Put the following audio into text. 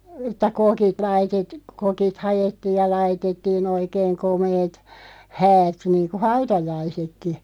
että kokit - kokit haettiin ja laitettiin oikein komeat häät niin kuin hautajaisetkin